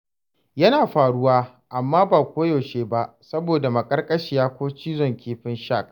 Yana faruwa, amma ba koyaushe ba saboda maƙarƙashiya ko cizon kifin shak.